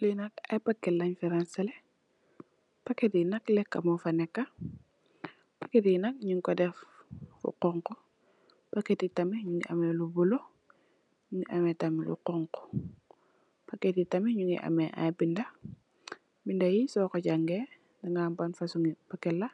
Lee nak ay packet len fi ransale packet yi nak leka mogi fa neka packeti nak nyun ko def lu xonxu packeti tamit nyung fa def lu bulu mongi ame tam lu xonxu packeti tam mongi am ay binda binda binda yi soko jangeh daga xam li ban fosongi packet la